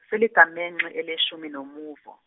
seligamenxe eleshumi nomuvo.